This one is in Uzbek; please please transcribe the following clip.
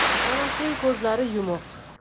onasining ko'zlari yumuq